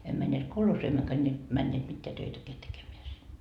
emme menneet kolhoosiin emmekä ne menneet mitään töitäkään tekemään sinne